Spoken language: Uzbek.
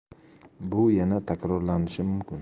bu yana takrorlanishi mumkin